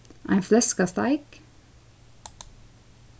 ein fleskasteik